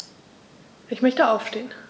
Ich möchte aufstehen.